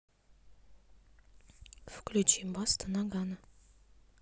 включи баста ноггано